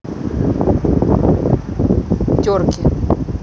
терки